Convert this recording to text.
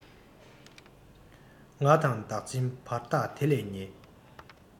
ང དང བདག འཛིན བར ཐག དེ ལས ཉེ